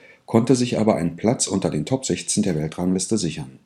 konnte sich aber einen Platz unter den Top 16 der Weltrangliste sichern